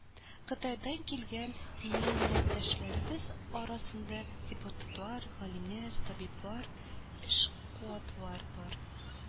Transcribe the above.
Кытайдан килгән милләттәшләребез арасында депутатлар, галимнәр, табиблар, эшкуарлар бар